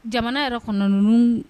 Jamana yɛrɛ kɔnɔna ninnu